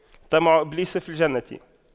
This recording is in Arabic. طمع إبليس في الجنة